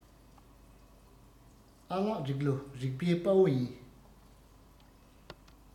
ཨ ལག རིག ལོ རིག པའི དཔའ བོ ཡིན